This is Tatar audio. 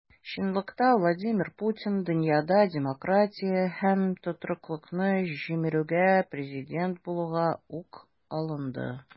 Чынлыкта Владимир Путин дөньяда демократия һәм тотрыклылыкны җимерүгә президент булуга ук алынды.